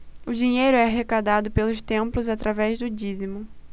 o dinheiro é arrecadado pelos templos através do dízimo